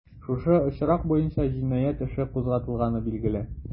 Шушы очрак буенча җинаять эше кузгатылганлыгы билгеле.